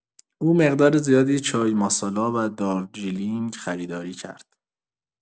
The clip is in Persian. او مقدار زیادی چای ماسالا و دارجیلینگ خریداری کرد.